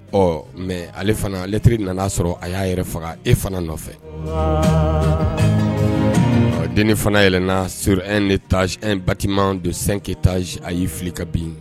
Ɔ mɛ ale fanalɛtiriri nana'a sɔrɔ a y'a yɛrɛ faga e fana nɔfɛ den fana yɛlɛna sur e de ba don sen ke taa a y'i fili ka bin